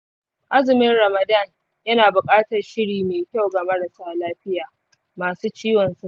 azumin ramadan yana buƙatar shiri mai kyau ga marasa lafiya masu ciwon sukari.